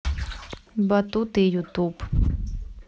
батуты ютуб